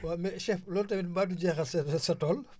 waaw mais chef loolu tamit mbaa du jeexal sa sa sa tool